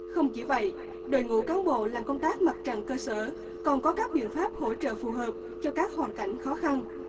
không chỉ vậy đội ngũ cán bộ làm công tác mặt trận cơ sở còn có các biện pháp hỗ trợ phù hợp cho các hoàn cảnh khó khăn